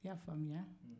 i y'a faamuya